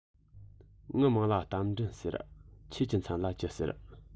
ངའི མིང ལ རྟ མགྲིན ཟེར ཁྱེད ཀྱི མཚན ལ ཅི ཟེར